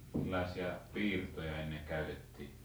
millaisia pirtoja ennen käytettiin